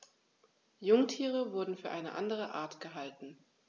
Jungtiere wurden für eine andere Art gehalten.